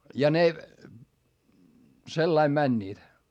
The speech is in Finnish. ja ne sillä lailla menivät